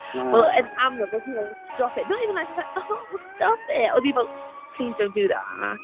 Wel, yn amlwg oedd hi fel "stop it" not even like that, "oh stop it"! Oedd hi fel "please don't do that".